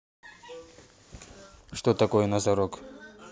что такое носорог